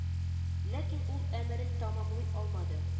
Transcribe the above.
Ләкин ул әмерен тәмамлый алмады